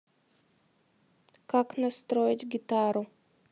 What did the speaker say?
как настроить гитару